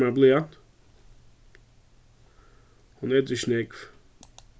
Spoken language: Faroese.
hon etur ikki nógv